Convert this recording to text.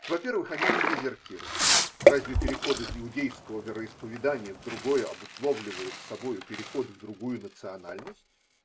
Во-первых, они не дезертиры: разве переход из иудейского вероисповедания в другое обусловливает собою переход в другую национальность?